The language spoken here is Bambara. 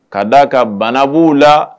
Ka d da a ka banabu la